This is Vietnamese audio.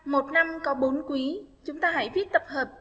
một năm có quý chúng ta hãy viết tập hợp